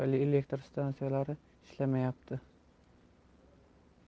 elektr stansiyalari ishlamayapti